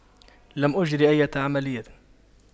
لم أجري أية عملية